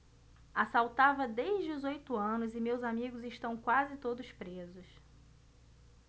assaltava desde os oito anos e meus amigos estão quase todos presos